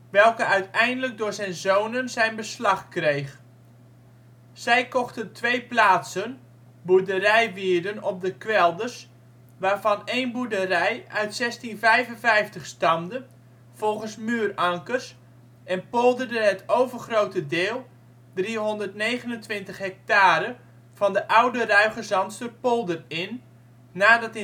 welke uiteindelijk door zijn zonen zijn beslag kreeg. Zij kochten twee plaatsen (boerderijwierden op de kwelders), waarvan een boerderij uit 1655 stamde (volgens muurankers) en polderden het overgrote deel (329 ha) van de Oude Ruigezandsterpolder in, nadat